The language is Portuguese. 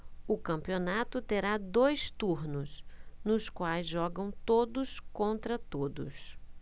o campeonato terá dois turnos nos quais jogam todos contra todos